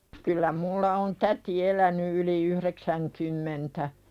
kyllä minulla on täti elänyt yli yhdeksänkymmentä